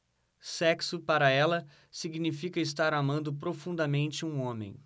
sexo para ela significa estar amando profundamente um homem